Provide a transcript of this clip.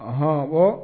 Ɔnhɔn, bon